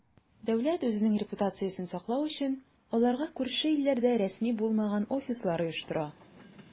Дәүләт, үзенең репутациясен саклау өчен, аларга күрше илләрдә рәсми булмаган "офислар" оештыра.